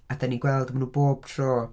A dan ni'n gweld maen nhw bob tro.